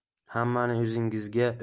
hammani o'zingizga o